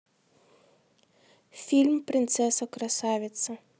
фильм принцесса красавица